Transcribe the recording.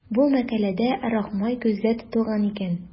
Бу мәкаләдә Рахмай күздә тотылган икән.